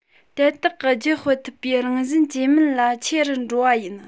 དེ དག གི རྒྱུད སྤེལ ཐུབ པའི རང བཞིན ཇེ དམན ལ ཆེ རུ འགྲོ བ ཡིན